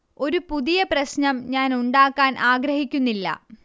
ഒരു പുതിയ പ്രശ്നം ഞാൻ ഉണ്ടാക്കാൻ ആഗ്രഹിക്കുന്നില്ല